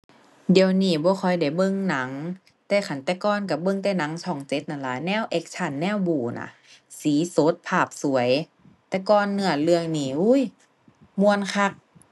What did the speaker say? เดี๋ยวนี้บ่ค่อยได้เบิ่งหนัง แต่คันแต่ก่อนก็เบิ่งแต่หนังช่องเจ็ดนั่นล่ะ แนว action แนวบู๊น่ะ สีสด ภาพสวย แต่ก่อน เนื้อเรื่องนี่ อู้ย ม่วนคัก